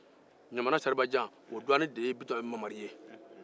ɲamana seribajan dɔgɔnin ye mamari ye